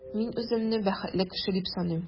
Мин үземне бәхетле кеше дип саныйм.